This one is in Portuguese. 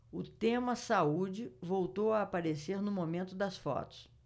o tema saúde voltou a aparecer no momento das fotos